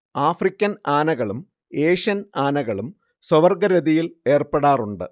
African ആനകളും Asian ആനകളും സ്വവർഗ്ഗരതിയിൽ ഏർപ്പെടാറുണ്ട്